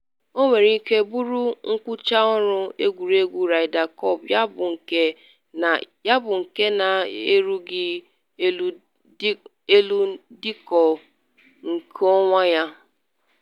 Ọ nwere ike bụrụ ngwucha ọrụ egwuregwu Ryder Cup ya bụ nke na-erughị elu ndekọ nkeonwe ya.